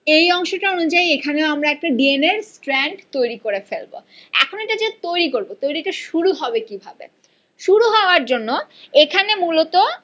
এই অংশটার অনুযায়ী এখানেও একটা ডি এন এ স্ট্রেনড তৈরি করে ফেলব এখন এটা যে তৈরি করব তৈরীটা শুরু হবে কিভাবে শুরু হওয়ার জন্য এখানে মূলত